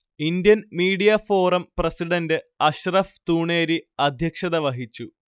Indian media forum president Ashraf Thooneri അധ്യക്ഷത വഹിച്ചു